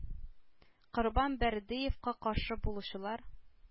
Корбан Бәрдыевка каршы булучылар